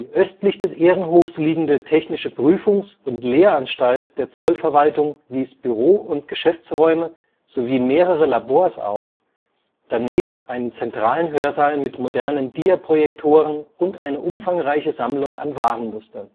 östlich des Ehrenhofs liegende Technische Prüfungs - und Lehranstalt der Zollverwaltung wies Büro - und Geschäftsräume sowie mehrere Labors auf, daneben einen zentralen Hörsaal mit modernen Diaprojektoren und eine umfangreiche Sammlung an Warenmustern